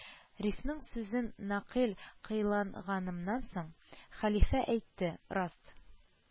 Рифнең сүзен нәкыль кыйлганымнан соң, хәлифә әйтте, раст